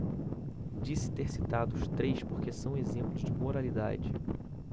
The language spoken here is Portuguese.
disse ter citado os três porque são exemplos de moralidade